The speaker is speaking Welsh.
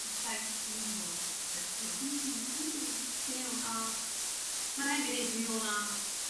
ma'r llaeth niwlog 'lly dwi me'wl. Hmm yndi ti'n iawn a ma' rhai' fi ddeud mi o' 'na